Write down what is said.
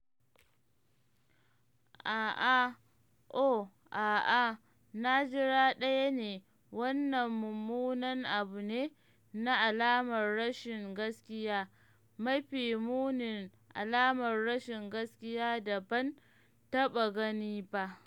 A’a, uh, a’a, na jira ɗaya ne - wannan mummunan abu ne na alamar rashin gaskiya - mafi munin alamar rashin gaskiya da ban taɓa gani ba.”